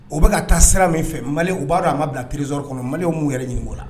U bɛ ka taa sira min fɛ Maliens u ba dɔn a ma bila trésor kɔnɔ. Maliens mun yɛrɛ ɲininko la.